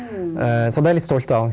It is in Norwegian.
så det er jeg litt stolt av.